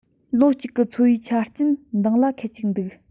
ལོ གཅིག གི འཚོ བའི ཆ རྐྱེན འདངས ལ ཁད ཅིག འདུག